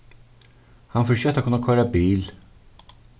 hann fer skjótt at kunna koyra bil